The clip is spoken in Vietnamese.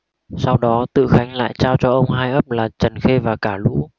sau đó tự khánh lại trao cho ông hai ấp là trần khê và cả lũ